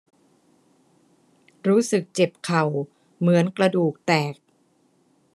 รู้สึกเจ็บเข่าเหมือนกระดูกแตก